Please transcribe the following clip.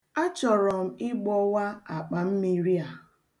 A chọrọ m ịgbọwa akpa mmiri a.